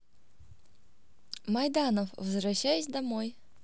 майданов возвращаюсь домой